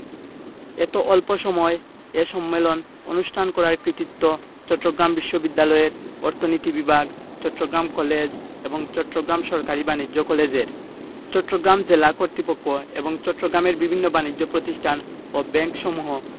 এত অল্প এ সম্মেলন অনুষ্ঠান করার কৃতিত্ব চট্টগ্রাম বিশ্ববিদ্যালয়ের অর্থনীতি বিভাগ চট্টগ্রাম কলেজ এবং চট্টগ্রাম সরকারি বাণিজ্য কলেজের চট্টগ্রাম জেলা কর্তৃপক্ষ এবং চট্টগ্রামের বিভিন্ন বানিজ্য প্রতিষ্ঠান ও ব্যাংকসমূহ